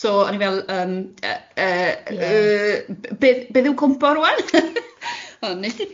So o'n i fel yym yy yy yy b- b- beth yw cwmpo rŵan?